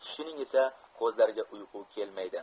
ikki kishining esa ko'zlariga uyqu kelmaydi